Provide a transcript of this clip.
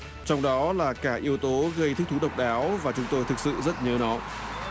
trong đó là cả yếu tố gây thích thú độc đáo và chúng tôi thực sự rất nhớ nó